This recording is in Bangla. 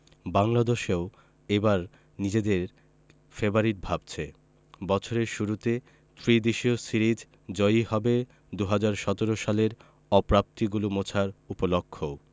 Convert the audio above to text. বাংলাদেশও এবার নিজেদের ফেবারিট ভাবছে বছরের শুরুতে ত্রিদেশীয় সিরিজ জয়ই হবে ২০১৭ সালের অপ্রাপ্তিগুলো মোছার উপলক্ষও